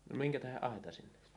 no minkä tähden aitaa sinne